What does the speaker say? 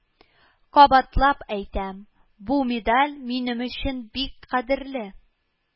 Кабатлап әйтәм, бу медаль минем өчен бик кадерле